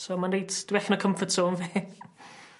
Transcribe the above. So ma'n reit dwi allan o comfort zone fi.